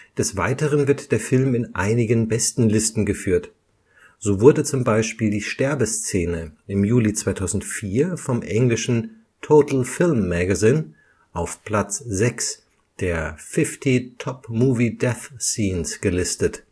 Des Weiteren wird der Film in einigen Bestenlisten geführt. So wurde zum Beispiel die Sterbeszene im Juli 2004 vom englischen „ Total Film Magazine “auf Platz 6 der 50 Top Movie Death Scenes (50 berühmtesten Filmtode) gelistet